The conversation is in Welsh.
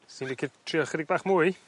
Si'n licio trio chydig bach mwy?